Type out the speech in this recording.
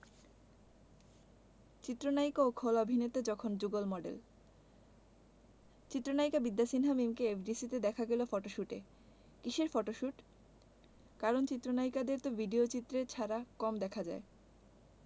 চিত্রনায়িকা ও খল অভিনেতা যখন যুগল মডেল চিত্রনায়িকা বিদ্যা সিনহা মিমকে এফডিসিতে দেখা গেল ফটোশুটে কিসের ফটোশুট কারণ চিত্রনায়িকাদের তো ভিডিওচিত্রে ছাড়া কম দেখা যায়